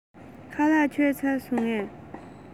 ཞལ ལག ཁ ལག མཆོད བཞེས ཚར སོང ངས